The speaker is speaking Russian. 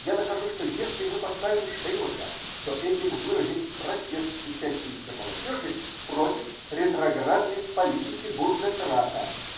Я нахожу, что, если мы поставим "Шейлока", то этим выразим протест учащейся молодежи против ретроградной политики бундесрата.